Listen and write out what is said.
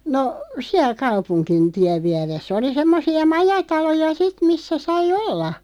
no siellä kaupungin tien vieressä oli semmoisia majataloja sitten missä sai olla